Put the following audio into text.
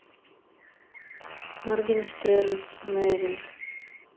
моргенштерн мерин